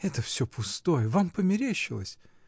— Это всё пустое, вам померещилось!